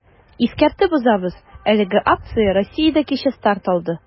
Искәртеп узабыз, әлеге акция Россиядә кичә старт алды.